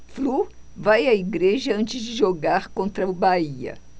flu vai à igreja antes de jogar contra o bahia